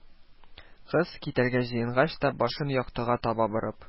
Кыз китәргә җыенгач та, башын яктыга таба борып: